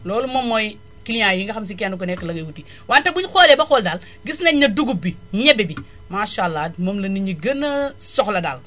loolu moom mooy client yi nga xam si kenn ku nekk la ngay wuti wante bu ñu xoolee ba xool daal gis nañu ne dugub bi ñebe bi maasàllaa moom la nit ñi gën a soxla daal